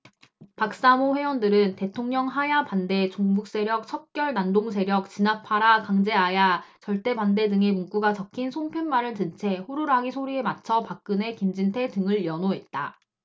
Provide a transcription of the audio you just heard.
박사모 회원들은 대통령하야 반대 종북세력 척결 난동세력 진압하라 강제하야 절대반대 등의 문구가 적힌 손팻말을 든 채 호루라기 소리에 맞춰 박근혜 김진태 등을 연호했다